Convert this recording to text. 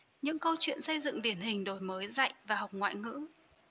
những câu chuyện xây dựng điển hình đổi mới dạy và học ngoại ngữ